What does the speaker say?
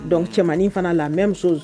Donc cɛmannin fana la n bɛmuso